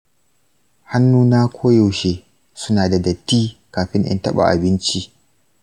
hannuna koyaushe suna da datti kafin in taɓa abinci.